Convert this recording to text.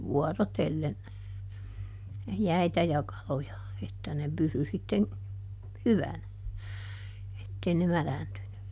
vuorotellen jäitä ja kaloja että ne pysyi sitten hyvänä että ei ne mädäntynyt